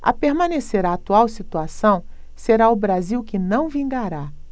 a permanecer a atual situação será o brasil que não vingará